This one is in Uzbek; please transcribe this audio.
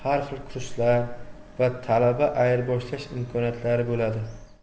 xil kurslar va talaba ayirboshlash imkoniyatlari bo'ladi